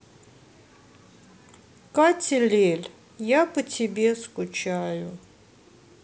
катя лель я по тебе скучаю